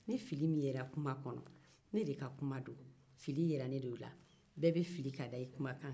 ni fili yera kuma kɔnɔ ne ka kuma don bɛɛ fili ka da i kɔnɔta kan